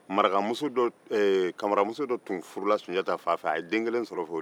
kamaramuso dɔ tun furula sunjata fa fɛ a ye den kelen sɔrɔ o fɛ